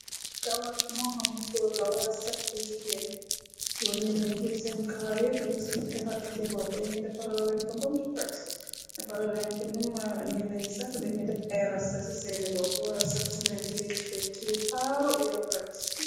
Kawar moo xamb góor la wala sax bi jigeen góor ni dañuy jëw seen kawar ye dem ci defarkati bopp yañuy defara leenfo bam fret defara lenk nu maranen nañu saxe dañuy dex ay rasta ci seeni bopp wala sax ñu wenti let let taaru ura fet.